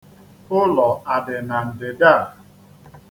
Ụlọ a dị na ndịda a?